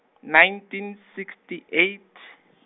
nineteen sixty eight .